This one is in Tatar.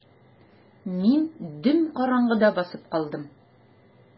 Мин дөм караңгыда басып калдым.